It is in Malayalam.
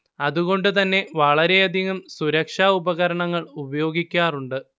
അതുകൊണ്ട് തന്നെ വളരെയധികം സുരക്ഷ ഉപകരണങ്ങൾ ഉപയോഗിക്കാറുണ്ട്